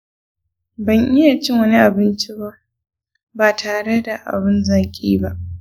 ban iya cinye wani abinci ba tare da abun zaki ba.